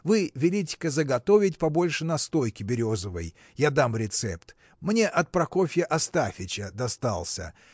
Вы велите-ка заготовить побольше настойки березовой я дам рецепт мне от Прокофья Астафьича достался